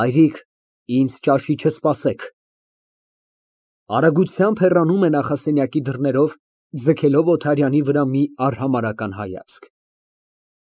Հայրիկ, ինձ ճաշի չսպասեք։ (Արագությամբ հեռանում է նախասենյակի դռներով, ձգելով Օթարյանի վրա մի արհամարհական հայացք)։